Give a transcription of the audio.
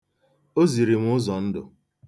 O ziri m ụzọ ndụ.